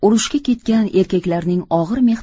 urushga ketgan erkaklarning og'ir